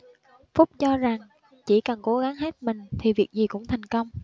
phúc cho rằng chỉ cần cố gắng hết mình thì việc gì cũng thành công